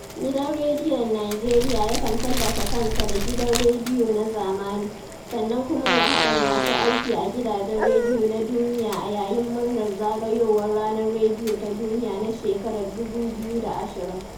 Gidan Rediyon Nijeriya yakan tallata kansa da " Gidan rediyo na zamani", sannan kuma ya haɗa masu aiki a gidajen rediyo na duniya a yayin murnar zagayowar Ranar Rediyo Ta Duniya na shekarar 2020.